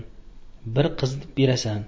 bir qizitib berasan